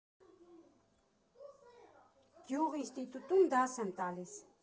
Գյուղինստիտուտում դաս եմ տալիս։